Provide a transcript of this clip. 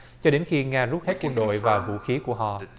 cho đến khi nga rút hết quân đội và vũ khí của họ